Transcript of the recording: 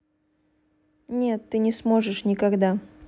нет ты не сможешь никогда